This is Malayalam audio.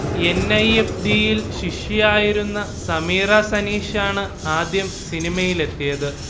എൻ. ഐ. എഫ്. ഡി. യിൽ ശിഷ്യയായിരുന്ന സമീറ സനീഷാണ് ആദ്യം സിനിമയിലെത്തിയത്